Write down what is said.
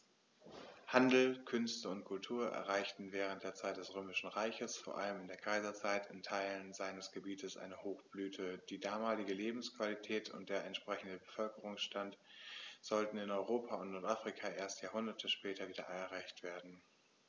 Handel, Künste und Kultur erreichten während der Zeit des Römischen Reiches, vor allem in der Kaiserzeit, in Teilen seines Gebietes eine Hochblüte, die damalige Lebensqualität und der entsprechende Bevölkerungsstand sollten in Europa und Nordafrika erst Jahrhunderte später wieder erreicht werden.